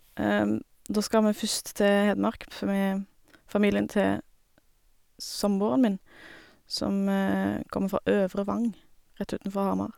Da skal vi først til Hedmark på med familien til samboeren min, som kommer fra Øvre Vang rett utenfor Hamar.